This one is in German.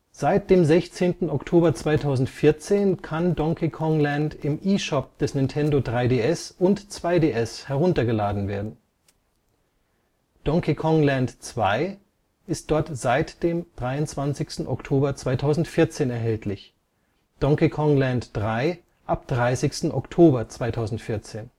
Seit dem 16. Oktober 2014 kann Donkey Kong Land im eShop des Nintendo 3DS und 2DS heruntergeladen werden. Donkey Kong Land 2 ist dort ab 23. Oktober 2014 erhältlich, Donkey Kong Land III ab 30. Oktober 2014